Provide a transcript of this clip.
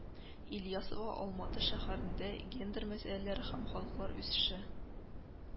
Ильясова Алматы шәһәрендә гендер мәсьәләләре һәм халыклар үсеше